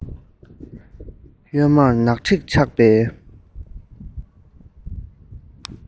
གཡོན མར ནག དྲེག ཆགས པའི